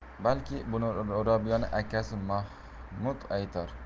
balki buni robiyaning akasi mahmud aytar